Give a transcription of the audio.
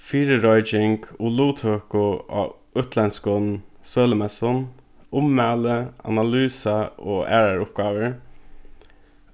fyrireiking og luttøku á útlendskum sølumessum ummæli analysa og aðrar uppgávur